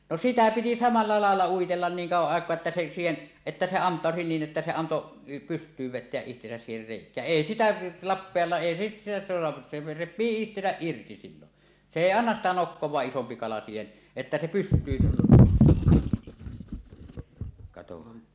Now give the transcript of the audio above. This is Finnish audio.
no sitä piti samalla lailla uitella niin kauan aikaa että se siihen että se antautui niin että se antoi pystyyn vetää itsensä siihen reikään ei sitä lappeellaan ei sitten sitä saa se repii itsensä irti silloin se ei anna sitä nokkaansa isompi kala siihen että se pystyyn katsohan